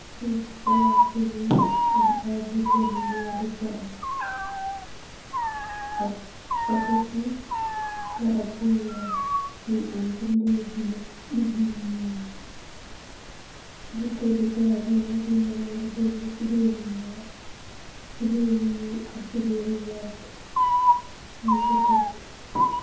Fi palaat ti wënn, am ay buteel li wèrr garab ak pakèt garab bu weeh mungi am bindi yu bulo, bindi yu ñuul. Buteel li garab yi nak mungi ameh cubèr yu weeh, cubèr yu ñuul ak cubèr yu vert ñung ko tekk.